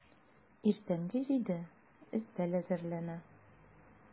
Иртәнге җиде, өстәл әзерләнә.